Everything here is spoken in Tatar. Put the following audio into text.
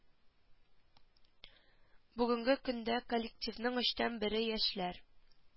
Бүгенге көндә коллективның өчтән бере яшьләр